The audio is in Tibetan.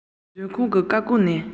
མཛོད ཁང གི སྒོ ནས འཛུལ བ ཡིན